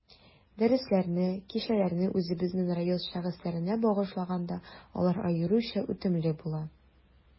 Дәресләрне, кичәләрне үзебезнең район шәхесләренә багышлаганда, алар аеруча үтемле була.